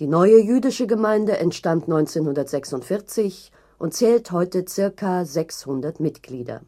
Die neue Jüdische Gemeinde entstand 1946 und zählt heute ca. 600 Mitglieder